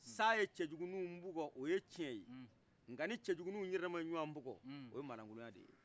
san ye cɛjukuniw bukɔ o ye tiyen ye nka ni cɛjukuniw yɛrɛ dama ye ɲɔgɔn bukɔ o ye malakoloya de ye